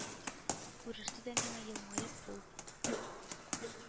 Күреште дә миңа да елмаеп кул